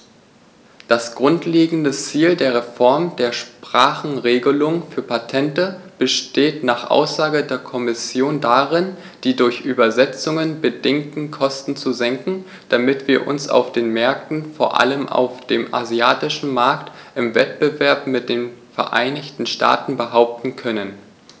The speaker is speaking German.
Das grundlegende Ziel der Reform der Sprachenregelung für Patente besteht nach Aussage der Kommission darin, die durch Übersetzungen bedingten Kosten zu senken, damit wir uns auf den Märkten, vor allem auf dem asiatischen Markt, im Wettbewerb mit den Vereinigten Staaten behaupten können.